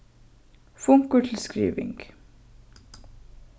funkur til skriving